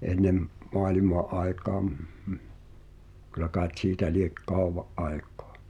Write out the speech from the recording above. ennen maailman aikaan kyllä kai siitä lie kauan aikaa